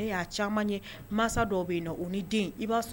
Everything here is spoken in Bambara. Ne ya caman ye masa dɔ